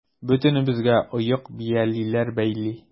Бөтенебезгә оек-биялиләр бәйли.